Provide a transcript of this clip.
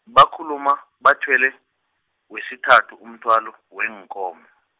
bakhuluma, bathwele, wesithathu umthwalo, weenkomo.